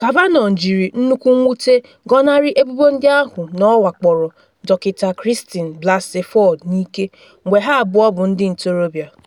Kavanaugh jiri nnukwu mwute gọnarị ebubo ndị ahụ na ọ wakporo Dk. Christine Blasey Ford n’ike mgbe ha abụọ bụ ndị ntorobịa.